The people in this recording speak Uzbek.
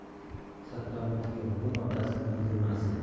sattornikiga bugun otasining yigirmasi